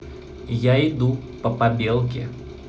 я иду по побелке